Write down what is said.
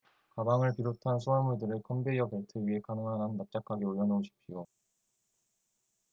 가방을 비롯한 수하물들을 컨베이어 벨트 위에 가능한 한 납작하게 올려놓으십시오